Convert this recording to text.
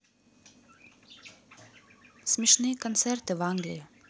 смешные концерты в англии